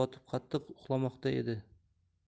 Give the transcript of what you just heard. botib qattiq uxlamoqda edi